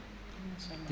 am na solo